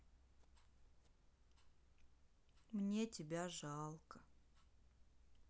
мне тебя жалко